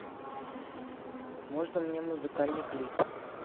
можно мне музыкальный клип